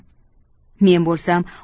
men bo'lsam